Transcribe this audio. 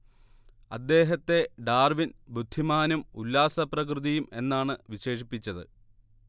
അദ്ദേഹത്തെ ഡാർവിൻ ബുദ്ധിമാനും ഉല്ലാസപ്രകൃതിയും എന്നാണ് വിശേഷിപ്പിച്ചത്